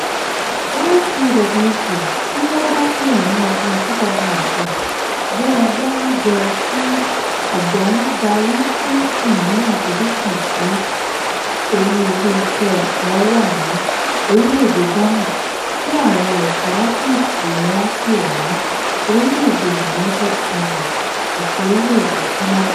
YPWC, tí wọ́n dásílẹ̀ ní ọdún 2005, jẹ́ àgbáríjọ tí ọ̀dọ́ ń darí tí ó sì ní àfojúsùn tí olú-ilé-iṣẹ́ wọn wà ní orílẹ̀-èdè Ghana, tí àwọn ẹ̀ka ọ́fíìsì wọn sì wà ní Orílẹ̀-èdè United Kingdom àti Orílẹ̀-èdè Canada.